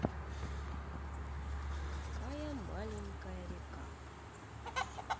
какая маленькая река